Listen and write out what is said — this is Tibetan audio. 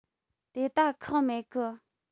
དེ ད ཁག མེད གི